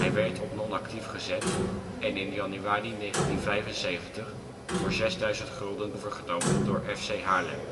werd op non-actief gezet en in januari 1975 voor 6.000 gulden overgenomen door FC Haarlem